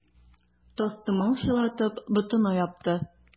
Тастымал чылатып, ботына япты.